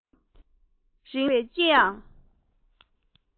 རིག གནས རིག གནས ཞེས པའི ལྕི ཡང